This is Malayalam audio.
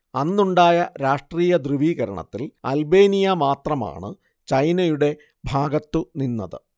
അന്നുണ്ടായ രാഷ്ട്രീയ ധ്രുവീകരണത്തിൽ അൽബേനിയ മാത്രമാണ് ചൈനയുടെ ഭാഗത്തു നിന്നത്